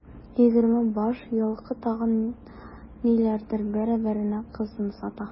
Егерме баш елкы, тагын ниләрдер бәрабәренә кызын сата.